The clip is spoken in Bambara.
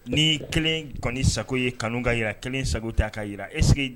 Ni kelen kɔni sago ye kanu ka yi jira kelen sago ta ka yi e